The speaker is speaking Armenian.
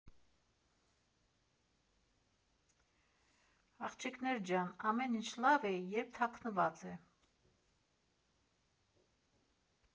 Աղջկիկներ ջան, ամեն ինչ լավ է, երբ թաքնված է։